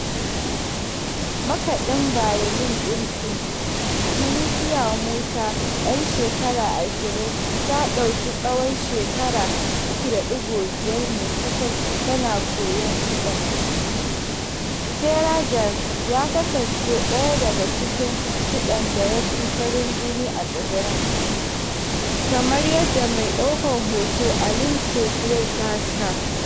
Makaɗin bayolin ɗin su, Felicia Mussa 'yar shekara 20 ta ɗauki tsahon shekaru 3.5 ne kacal tana koyon kiɗan. TaraJazz ya kasance ɗaya daga cikin kiɗan da ya fi farin jini a tsibirin, kamar yadda mai ɗaukar hoto Alline Coƙuelle ta haska: